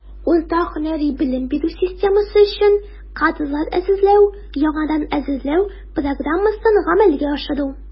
Урта һөнәри белем бирү системасы өчен кадрлар әзерләү (яңадан әзерләү) программасын гамәлгә ашыру.